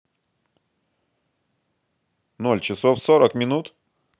ноль часов сорок минут